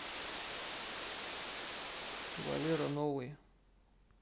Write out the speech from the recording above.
валера новый